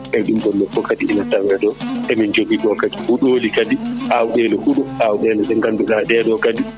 eyyi ɗum ɗonne fof kadi ina taweɗon emin jogui ɗo kadi huuɗoli kadi awɗele huuɗo awɗele ɗe ngannduɗaa ɗeɗo kadi